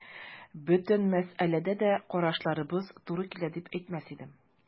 Бөтен мәсьәләдә дә карашларыбыз туры килә дип әйтмәс идем.